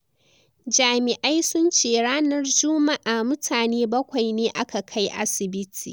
Jami'ai sun ce ranar Jumma'a mutane bakwai ne aka kai asibiti.